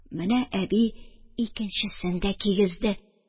Менә әби икенчесен дә кигезде.